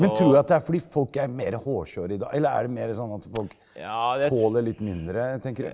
men trur du at det er fordi folk er mere hårsåre i dag eller er det mere sånn at folk tåler litt mindre tenker du?